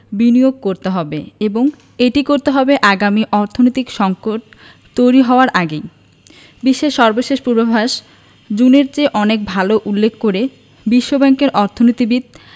বিনিয়োগ করতে হবে এবং এটি করতে হবে আগামী অর্থনৈতিক সংকট তৈরি হওয়ার আগেই বিশ্বের সর্বশেষ পূর্বাভাস জুনের চেয়ে অনেক ভালো উল্লেখ করে বিশ্বব্যাংকের অর্থনীতিবিদ